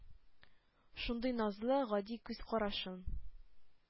Шундый назлы, гади күз карашын